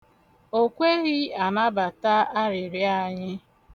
O kweghị anabata arịriọ anyị.